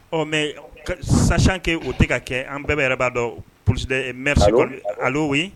Ɔ mɛ sasan kɛ o tɛ ka kɛ an bɛɛ bɛ yɛrɛ b'a dɔn pte aleo ye